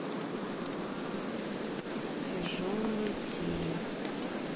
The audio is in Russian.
тяжелый день